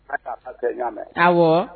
A taa kɛ ɲ'a mɛn aw rɔ